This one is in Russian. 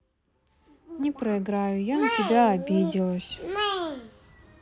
не проиграю я на тебя обиделась